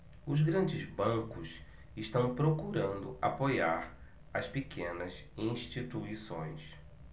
os grandes bancos estão procurando apoiar as pequenas instituições